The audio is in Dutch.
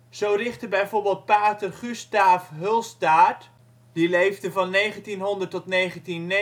Zo richtte bijvoorbeeld pater Gustaaf Hulstaert (1900-1990) in